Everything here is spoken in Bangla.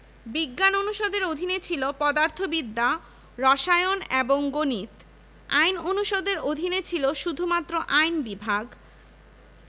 বিজ্ঞান অনুষদের অধীনে ছিল পদার্থবিদ্যা রসায়ন এবং গণিত আইন অনুষদের অধীনে ছিল শুধুমাত্র আইন বিভাগ